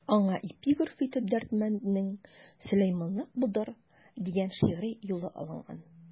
Аңа эпиграф итеп Дәрдмәнднең «Сөләйманлык будыр» дигән шигъри юлы алынган.